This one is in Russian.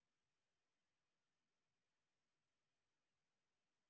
михаил веган